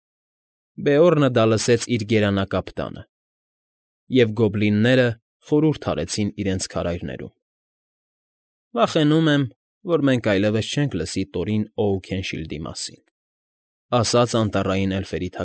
Բեորնը դա լսեց իր գերանակապ տանը, և գոբլինները խորհուրդ արեցին իրենց քարայրներում։ ֊ Վախենում եմ, որ մենք այլևս չենք լսի Տորին Օուքենշիլդի մասին,֊ ասաց անտառային էլֆերի։